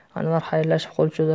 anvar xayrlashib qo'l cho'zarkan